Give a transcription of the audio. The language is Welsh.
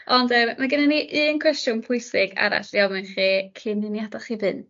Ond yy ma' gennyn ni un cwestiwn pwysig arall i ofyn i chi cyn i ni adal chi fynd.